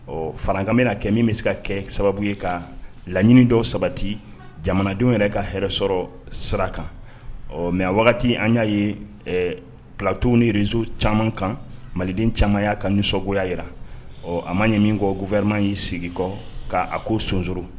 Ɔ fara kamina kɛ min bɛ se ka kɛ sababu ye ka laɲini dɔw sabati jamanadenw yɛrɛ ka hɛrɛɛrɛ sɔrɔ sira kan ɔ mɛ wagati an y'a ye pt ni rez caman kan maliden camanya ka ni nisɔngoya jira ɔ a man ɲɛ min ko kou wɛrɛma y'i sigi kɔ k' a ko sonso